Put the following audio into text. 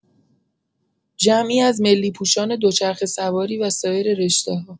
جمعی از ملی‌پوشان دوچرخه‌سواری و سایر رشته‌ها